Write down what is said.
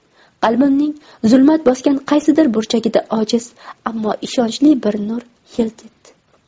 qalbimning zulmat bosgan qaysidir burchagida ojiz ammo ishonchli bir nur yilt etdi